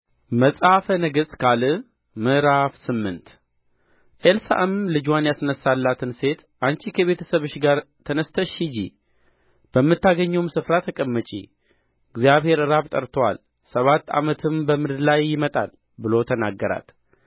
መጽሐፈ ነገሥት ካልዕ ምዕራፍ ስምንት ኤልሳዕም ልጅዋን ያስነሣላትን ሴት አንቺ ከቤተ ሰብሽ ጋር ተነሥተሽ ሂጂ በምታገኚውም ስፍራ ተቀመጪ እግዚአብሔር ራብ ጠርቶአል ሰባት ዓመትም በምድር ላይ ይመጣል ብሎ ተናገራት